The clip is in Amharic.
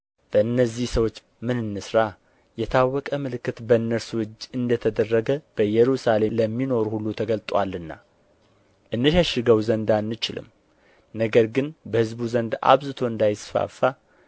በእነዚህ ሰዎች ምን እንሥራ የታወቀ ምልክት በእነርሱ እጅ እንደ ተደረገ በኢየሩሳሌም ለሚኖሩ ሁሉ ተገልጦአልና እንሸሽገው ዘንድ አንችልም ነገር ግን በሕዝቡ ዘንድ አብዝቶ እንዳይስፋፋ